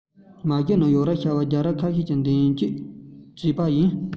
མ གཞི ནི ཡོ རོབ ཤར མའི རྒྱལ ཁབ ཁ ཤས ཀྱིས འདོན སྤྲོད བྱས པ ཡིན